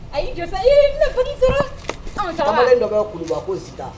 Ayi i jɔsa i bɛna dennin faga, kamalen dɔ bɛ kuluba ko Zita